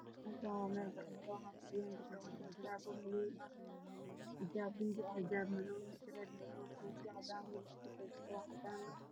Waa dugsi quraan waxaa jooga gabdho iyo wiilal fara badan gabdhaha wataan xijaabo waaweyn wiilasha khamiistay wataan